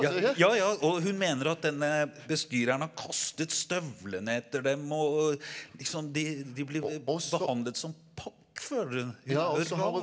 ja ja og hun mener at denne bestyreren har kastet støvlene etter dem og og liksom de de blir behandlet som pakk føler hun.